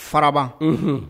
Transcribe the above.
Faraba